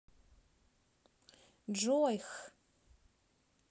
джой х